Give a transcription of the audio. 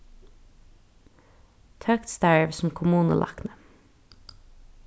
tøkt starv sum kommunulækni